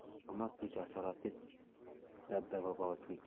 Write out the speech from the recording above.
hurmat bu jasoratli dabdababozlik